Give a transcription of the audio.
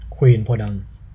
ควีนโพธิ์ดำ